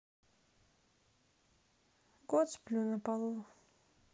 год сплю на полу